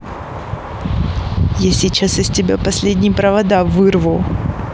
я сейчас из тебя последний провода вырву